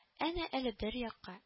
Әнә, әле бер якка